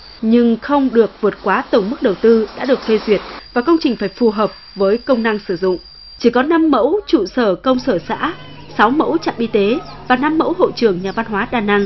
nhưng không được vượt quá tổng mức đầu tư đã được phê duyệt và công trình phải phù hợp với công năng sử dụng chỉ có năm mẫu trụ sở công sở xã sáu mẫu trạm y tế và năm mẫu hậu trường nhà văn hóa đa năng